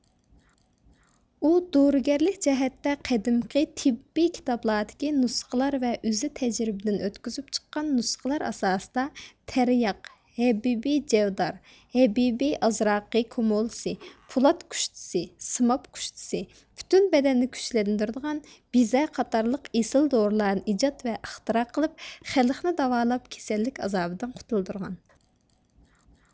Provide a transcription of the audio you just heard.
ئۇ دورىگەرلىك جەھەتتە قەدىمكى تېببىي كىتابلاردىكى نۇسخىلار ۋە ئۆزى تەجرىبىدىن ئۆتكۈزۈپ چىققان نۇسخىلار ئاساسىدا تەرياق ھەببى جەدۋار ھەببى ئازراقى كۇمۇلىسى پولات كۇشتىسى سىماب كۇشتىسى پۈتۈن بەدەننى كۈچلەندۈرىدىغان بىزە قاتارلىق ئېسىل دورىلارنى ئىجاد ۋە ئىختىرا قىلىپ خەلقنى داۋالاپ كېسەللىك ئازابىدىن قۇتۇلدۇرغان